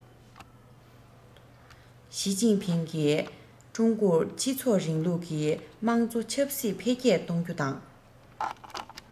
ཞིས ཅིན ཕིང གིས ཀྲུང གོར སྤྱི ཚོགས རིང ལུགས ཀྱི དམངས གཙོ ཆབ སྲིད འཕེལ རྒྱས གཏོང རྒྱུ དང